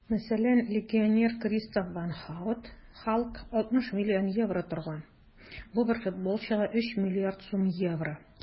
Мәсәлән, легионер Кристоф ван Һаут (Халк) 60 млн евро торган - бу бер футболчыга 3 млрд сум евро!